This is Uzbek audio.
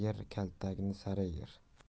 yer kaltagini sara yer